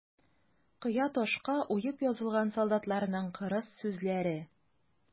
Кыя ташка уеп язылган солдатларның кырыс сүзләре.